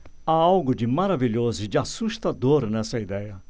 há algo de maravilhoso e de assustador nessa idéia